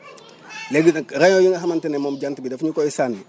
léegi nag rayons yi nga xamante ne moom jant bi daf ñu koy sànni